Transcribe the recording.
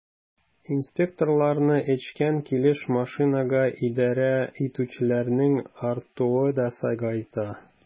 Инспекторларны эчкән килеш машинага идарә итүчеләрнең артуы да сагайта.